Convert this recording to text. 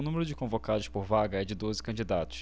o número de convocados por vaga é de doze candidatos